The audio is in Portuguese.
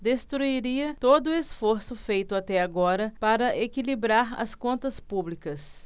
destruiria todo esforço feito até agora para equilibrar as contas públicas